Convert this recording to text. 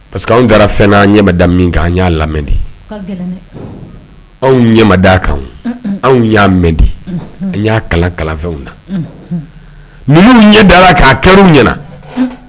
Pa parce que anw g fɛn ɲɛda min kan an y'a lamɛn de anw kan anw y'a mɛn an y'a kalan kalafɛnw na numu ɲɛ dala'a kɛ ɲɛna